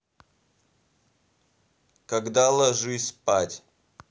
когда ложись спать